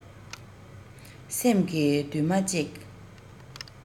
སེམས ཀྱི མདུན མ གཅིག